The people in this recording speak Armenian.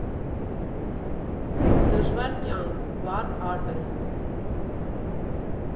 Դժվար կյանք, վառ արվեստ։